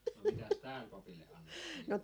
no mitäs täällä papille annettiin